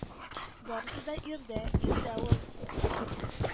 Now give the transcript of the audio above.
Барысы да ирдә, ирдә ул